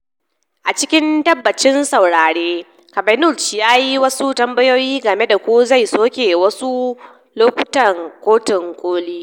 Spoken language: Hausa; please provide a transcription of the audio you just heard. A cikin tabbacin saurare, Kavanaugh ya yi wasu tambayoyi game da ko zai soke wasu hukuncin Kotun Koli.